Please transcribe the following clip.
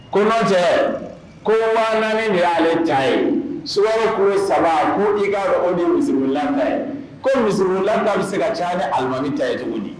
Kojɛ ko wa de y'aale caya ye sumaya ko saba ko i kaa o ni misilanta ye ko mulata bɛ se ka ca di alimami caya ye cogo di